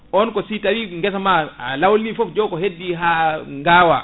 on ko si tawi guessama a lawli foof jo ko heddi ha gawa